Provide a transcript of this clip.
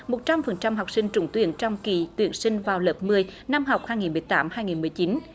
một trăm phần trăm học sinh trúng tuyển trong kỳ tuyển sinh vào lớp mười năm học hai nghìn mười tám hai nghìn mười chín